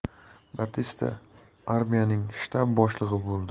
batista armiyaning shtab boshlig'i bo'ldi